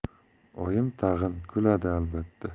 oyim tag'in kuladi albatta